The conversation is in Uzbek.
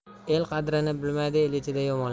el qadrini bilmaydi el ichida yomonlar